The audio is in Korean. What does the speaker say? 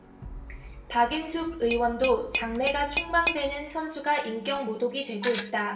박인숙 의원도 장래가 촉망되는 선수가 인격모독이 되고 있다